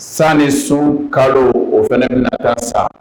Sani sun kalo o fana ka ta sa